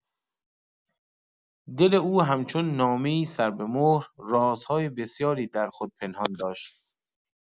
دل او همچون نامه‌ای سربه‌مهر، رازهای بسیاری در خود پنهان داشت.